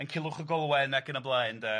yn Culhwch ac Olwen ac yn y blaen 'de.